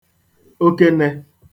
okenē